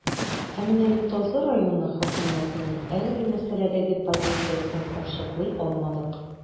Ә менә Ютазы районы хакимиятенең әлеге мәсьәләдәге позициясен ачыклый алмадык.